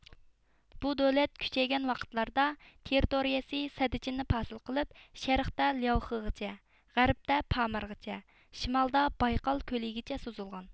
بۇ دۆلەت كۈچەيگەن ۋاقىتلاردا تېررىتورىيىسى سەددىچىننى پاسىل قىلىپ شەرقتە لياۋخېغىچە غەربتە پامىرغىچە شىمالدا بايقال كۆلىگىچە سوزۇلغان